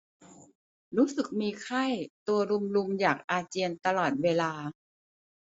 รู้สึกมีไข้ตัวรุมรุมอยากอาเจียนตลอดเวลา